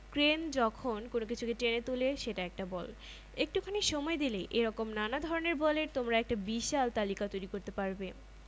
ভর আছে সেরকম যেকোনো বস্তু অন্য বস্তুকে মহাকর্ষ বল দিয়ে আকর্ষণ করে আমরা এই অধ্যায়ে মহাকর্ষ বল নিয়ে আরেকটু বিস্তারিতভাবে আলোচনা করব সংগৃহীত জাতীয় শিক্ষাক্রম ও পাঠ্যপুস্তক বোর্ড বাংলাদেশ পদার্থ বিজ্ঞান বই এর অন্তর্ভুক্ত